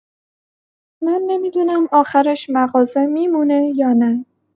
من نمی‌دونم آخرش مغازه می‌مونه یا نه.